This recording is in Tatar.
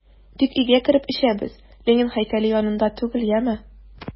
Тик өйгә кереп эчәбез, Ленин һәйкәле янында түгел, яме!